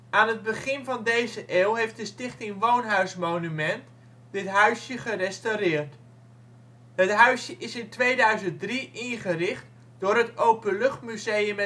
Aan het begin van deze eeuw heeft de Stichting Woonhuismonument dit huisje gerestaureerd. Het huisje is in 2003 ingericht door het Openluchtmuseum